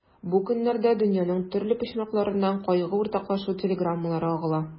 Бу көннәрдә дөньяның төрле почмакларыннан кайгы уртаклашу телеграммалары агыла.